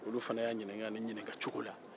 alu fana y'a ɲininkan nin ɲininkancogo la